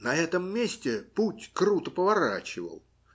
на этом месте путь круто поворачивал,